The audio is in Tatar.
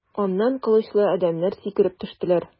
Аннан кылычлы адәмнәр сикереп төштеләр.